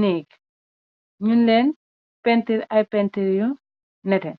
néeg ñun leen pentir ay pentir yu neté.